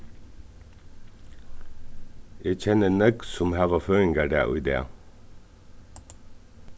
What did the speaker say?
eg kenni nógv sum hava føðingardag í dag